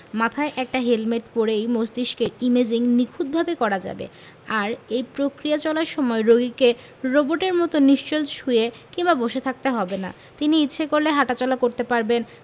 মাথায় একটা হেলমেট পরেই মস্তিষ্কের ইমেজিং নিখুঁতভাবে করা যাবে আর এই প্রক্রিয়া চলার সময় রোগীকে রোবটের মতো নিশ্চল শুয়ে কিংবা বসে থাকতে হবে না তিনি ইচ্ছা করলে হাটাচলা করতে পারবেন